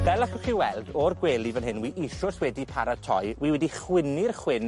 Fel allwch chi weld, o'r gwely fan hyn, wi isios wedi paratoi. Wi wedi chwinnu'r chwyn